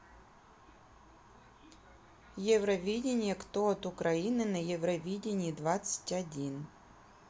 евровидение кто от украины на евровидении двадцать один